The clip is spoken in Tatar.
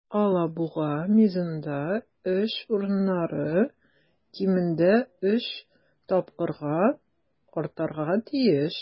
"алабуга" мизында эш урыннары кимендә өч тапкырга артарга тиеш.